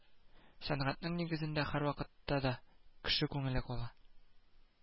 Сәнгатьнең нигезендә һәрвакытта да кеше күңеле кала